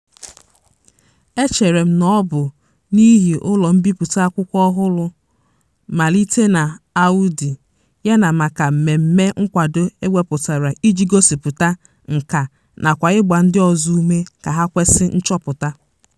MKH: Echere m na ọ bụ n'ihi ụlọ mbipụta akwụkwọ ọhụrụ, malite na Awoudy, yana maka mmemme nkwado e wepụtara iji gosịpụta nkà nakwa ịgba ndị ọzọ ume ka ha kwesị nchọpụta.